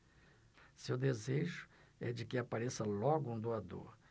seu desejo é de que apareça logo um doador